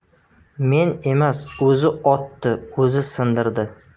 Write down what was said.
men emas o'zi otdi o'zi sindirdi